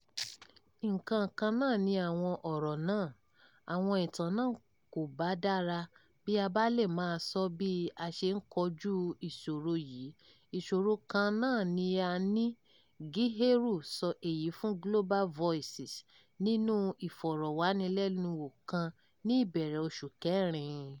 Nǹkan kan náà ni àwọn ọ̀rọ̀ náà, àwọn ìtàn náà kò bá dára bí a bá lè máa sọ bí a ṣe ń kojú ìṣòro yìí; ìṣòro kan náà ni a ní,” Gicheru sọ èyí fún Global Voices nínú Ìfọ̀rọ̀wánilẹ́nuwò kan ní ìbẹ̀rẹ̀ oṣù kẹrin.